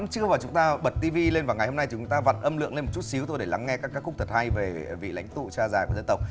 ăn trưa và chúng ta bật ti vi lên và ngày hôm nay thì chúng ta vặn âm lượng lên một chút xíu thôi để lắng nghe các ca khúc thật hay về vị lãnh tụ cha già của dân tộc